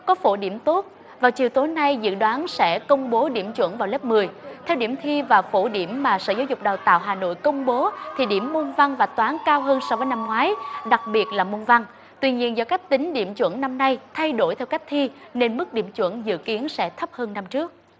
có phổ điểm tốt vào chiều tối nay dự đoán sẽ công bố điểm chuẩn vào lớp mười theo điểm thi và phổ điểm mà sở giáo dục đào tạo hà nội công bố thì điểm môn văn và toán cao hơn so với năm ngoái đặc biệt là môn văn tuy nhiên do cách tính điểm chuẩn năm nay thay đổi theo cách thi nên mức điểm chuẩn dự kiến sẽ thấp hơn năm trước